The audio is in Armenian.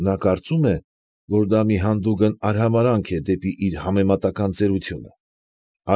Նա կարծում է, որ դա մի հանդուգն արհամարհանք է դեպի իր համեմատական ծերությունը։